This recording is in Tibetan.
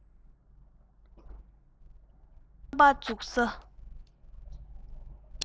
རྐང པ འཛུགས ས